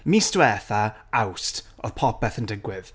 Mis diwetha, Awst. Oedd popeth yn digwydd.